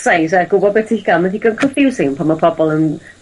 size a gwbo be' ti 'llu ga'l ma'n digon confusing pan ma' pobol yn...